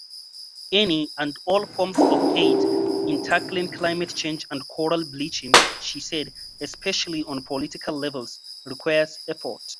Any and all forms of aid in tackling climate change and coral bleaching, she said, especially on political levels, "requires effort":